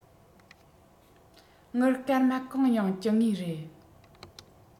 དངུལ སྐར མ གང ཡང སྦྱིན ངེས རེད